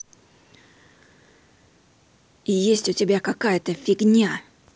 есть у тебя какая то фигня